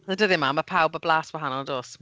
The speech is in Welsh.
Y dyddiau 'ma mae pawb â blas wahanol does?